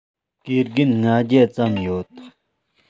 དགེ རྒན ལྔ བརྒྱ ཙམ ཡོད